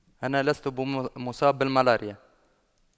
أنا لست مصاب بالملاريا